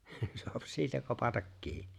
saa siitä kopata kiinni